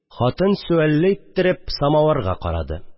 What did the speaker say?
Хатын сөалле иттереп самавырга карады